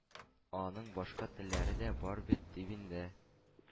Аның башка теллеләре дә бардыр бит инде.